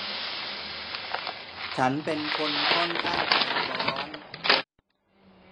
ฉันเป็นคนข้อนข้างใจร้อน